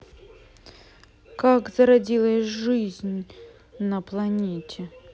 как зародилась жизнь на планете